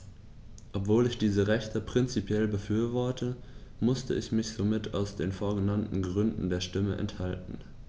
Obwohl ich diese Rechte prinzipiell befürworte, musste ich mich somit aus den vorgenannten Gründen der Stimme enthalten.